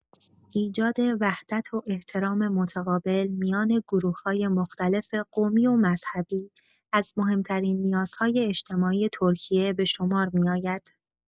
ایجاد وحدت و احترام متقابل میان گروه‌های مختلف قومی و مذهبی از مهم‌ترین نیازهای اجتماعی ترکیه به شمار می‌آید.